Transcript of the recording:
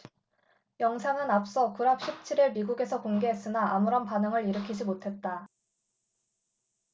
영상은 앞서 구랍 십 칠 일 미국에서 공개했으나 아무런 반응을 일으키지 못했다